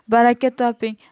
baraka toping